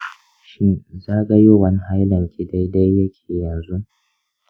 shin zagayowan hailanki daidai yake yanzu?